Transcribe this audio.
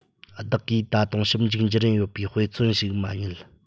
བདག གིས ད དུང ཞིབ འཇུག བགྱི རིན ཡོད པའི དཔེ མཚོན ཞིག མ རྙེད